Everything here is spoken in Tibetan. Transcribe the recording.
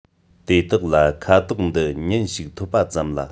དེ དག ལ ཁ དོག འདི ཉིན ཞིག ཐོབ པ ཙམ ལ